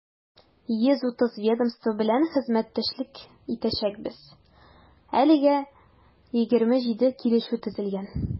130 ведомство белән хезмәттәшлек итәчәкбез, әлегә 27 килешү төзелгән.